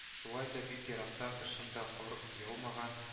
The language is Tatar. Шулай да бик еракта кышын да кар яумаган